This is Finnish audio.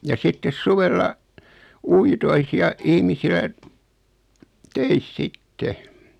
ja sitten suvella uitoissa ja ihmisillä töissä sitten